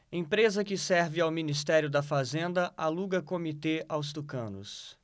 empresa que serve ao ministério da fazenda aluga comitê aos tucanos